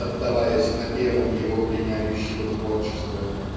отдаваясь напевам его пленяющего творчества.